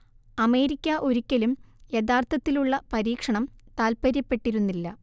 America ഒരിക്കലും യഥാർത്ഥത്തിലുള്ള പരീക്ഷണം താല്പര്യപ്പെട്ടിരുന്നില്ല